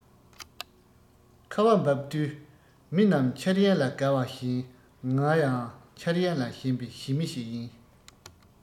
ཁ བ འབབ དུས མི རྣམས འཆར ཡན ལ དགའ བ བཞིན ང ཡང འཆར ཡན ལ ཞེན པའི ཞི མི ཞིག ཡིན